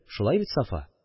Шулай бит, Сафа?